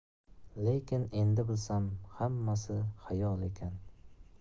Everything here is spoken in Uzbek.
lekin endi bilsam xammaso xayol ekan